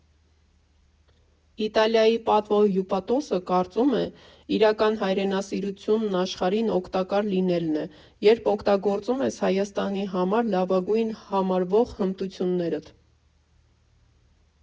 Իտալիայի պատվո հյուպատոսը կարծում է՝ իրական հայրենասիրությունն աշխարհին օգտակար լինելն է, երբ օգտագործում ես Հայաստանի համար լավագույնը համարվող հմտություններդ։